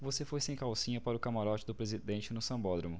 você foi sem calcinha para o camarote do presidente no sambódromo